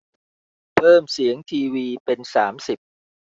เพิ่มเสียงทีวีเป็นสามสิบ